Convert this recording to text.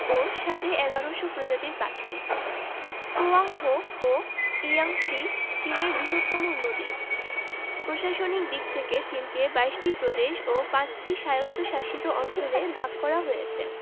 ও সাড়ে ১১শ প্রজাতির পাখি হোয়াংহো ও ইয়াংসি চীনের বৃহত্তম নদী প্রশাসনিক দিক থেকে চিনকে ২২ টি প্রদেশ ও ৫ টি স্বায়ত্তশাসিত অঞ্চলে ভাগ করা হয়েছে